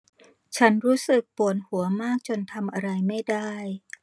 ฉันรู้สึกปวดหัวมากจนทำอะไรไม่ได้